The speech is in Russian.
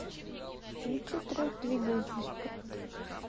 включи трек двигаюсь без повода